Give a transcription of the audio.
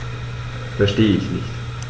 Verstehe nicht.